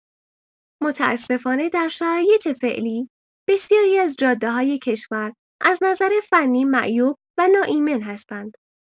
متاسفانه در شرایط فعلی بسیاری از جاده‌های کشور از نظر فنی معیوب و ناایمن هستند.